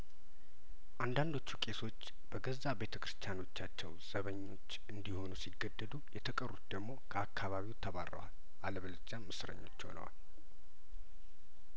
አንዳንዶቹ ቄሶች በገዛ ቤተ ክርስቲያኖ ቻቸው ዘበኞች አንዲ ሆኑ ሲገደዱ የተቀሩት ደሞ ከአካባቢው ተባረዋል አለበለዚያም እስረኞች ሆነዋል